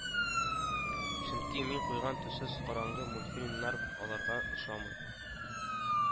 Чөнки мин куйган төссез, караңгы мультфильмнар аларга ошамый